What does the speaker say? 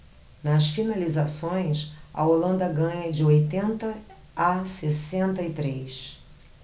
nas finalizações a holanda ganha de oitenta a sessenta e três